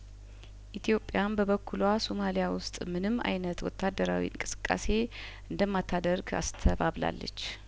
ኢትዮጵያም በበኩሏ ሶማሊያ ውስጥ ምንም አይነት ወታደራዊ እንቅስቃሴ እንደማ ታደርግ አስተባብላለች